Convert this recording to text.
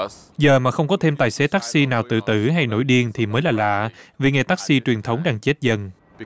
giờ mà không có thêm tài xế tắc xi nào tự tử hay nổi điên thì mới là lạ vì nghề tắc xi truyền thống đang chết dần